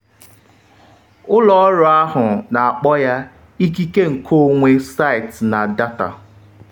Ebumnuche Inrupt, dabere na CEO John Bruce, bụ ka ụlọ ọrụ kpokọba, akụrụngwa, usoro na nka dabara daba iji nyere aka mee ka Solid rute onye ọ bụla.